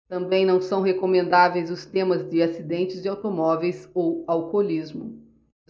também não são recomendáveis os temas de acidentes de automóveis ou alcoolismo